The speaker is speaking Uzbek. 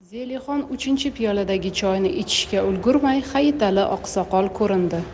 zelixon uchinchi piyoladagi choyni ichishga ulgurmay hayitali oqsoqol ko'rindi